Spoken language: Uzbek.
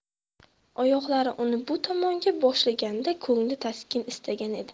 oyoqlari uni bu tomonga boshlaganda ko'ngli taskin istagan edi